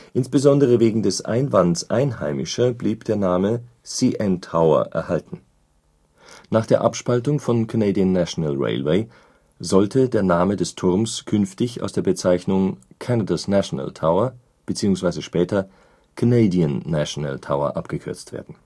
Insbesondere wegen des Einwands Einheimischer blieb der Name CN Tower erhalten. Nach der Abspaltung von Canadian National Railway sollte der Name des Turms künftig aus der Bezeichnung Canada 's National Tower bzw. später Canadian National Tower abgekürzt werden